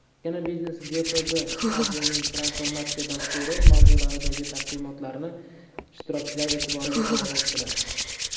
chakana biznes gpb aj ning transformatsiya dasturi mavzularidagi taqdimotlarni ishtirokchilar e'tiboriga havola etdilar